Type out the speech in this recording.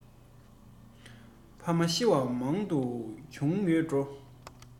ཕ མ ཤི བ མང པོ བྱུང ཡོད འགྲོ